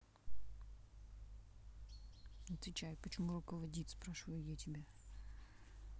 отвечай почему руководит спрашиваю я тебя